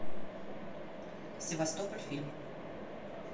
севастополь фильм